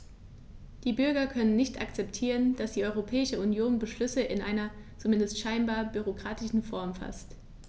Die Bürger können nicht akzeptieren, dass die Europäische Union Beschlüsse in einer, zumindest scheinbar, bürokratischen Form faßt.